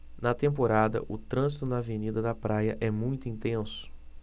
na temporada o trânsito na avenida da praia é muito intenso